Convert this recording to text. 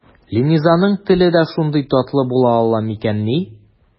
Ленизаның теле дә шундый татлы була ала микәнни?